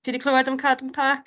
Ti 'di clywed am Carden Park?